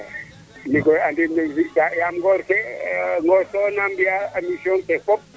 ndiiki koy andiim nem fi'ka yaam ngoor ke we na mbi'aa emission ke fop